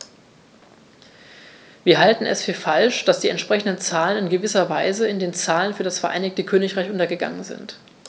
Wir halten es für falsch, dass die entsprechenden Zahlen in gewisser Weise in den Zahlen für das Vereinigte Königreich untergegangen sind.